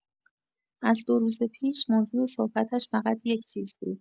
از دو روز پیش موضوع صحبتش فقط یک چیز بود.